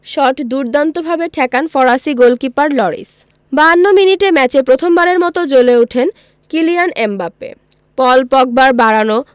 shot দুর্দান্তভাবে ঠেকান ফরাসি গোলকিপার লরিস ৫২ মিনিটে ম্যাচে প্রথমবারের মতো জ্বলে উঠেন কিলিয়ান এমবাপ্পে পল পগবার বাড়ানো